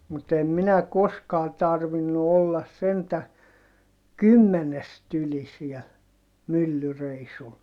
mutta en minä koskaan tarvinnut olla sentään kymmenestä yli siellä myllyreissulla